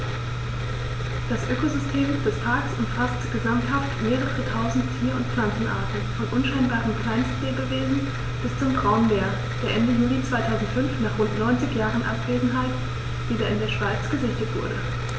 Das Ökosystem des Parks umfasst gesamthaft mehrere tausend Tier- und Pflanzenarten, von unscheinbaren Kleinstlebewesen bis zum Braunbär, der Ende Juli 2005, nach rund 90 Jahren Abwesenheit, wieder in der Schweiz gesichtet wurde.